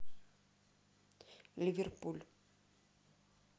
ливерпуль